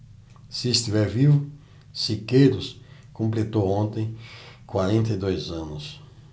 se estiver vivo sequeiros completou ontem quarenta e dois anos